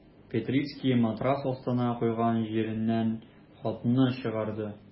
Петрицкий матрац астына куйган җирәннән хатны чыгарды.